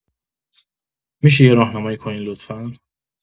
می‌شه یه راهنمایی کنین لطفا